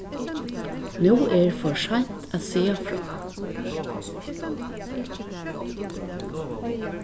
nú er for seint at siga frá